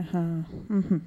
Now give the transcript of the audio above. H un